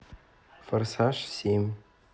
форсаж семь